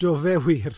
Do fe wir!